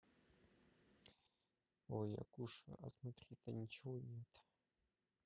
ой я кушаю а смотреть то ничего нет